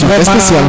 mention special